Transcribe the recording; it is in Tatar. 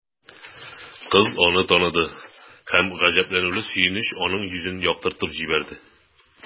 Кыз аны таныды һәм гаҗәпләнүле сөенеч аның йөзен яктыртып җибәрде.